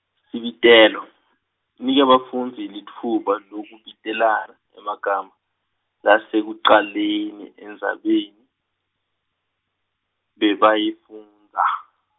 Sibitelo, nika bafundzi litfuba lekubitelana emagama, lasekucaleni endzabeni, bebayifundza.